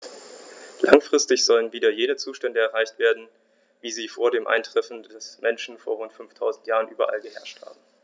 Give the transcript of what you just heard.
Langfristig sollen wieder jene Zustände erreicht werden, wie sie vor dem Eintreffen des Menschen vor rund 5000 Jahren überall geherrscht haben.